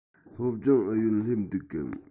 སློབ སྦྱོང ཨུ ཡོན སླེབས འདུག གམ